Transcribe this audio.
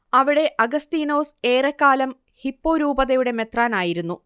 അവിടെ അഗസ്തീനോസ് ഏറെക്കാലം ഹിപ്പോ രൂപതയുടെ മെത്രാനായിരിരുന്നു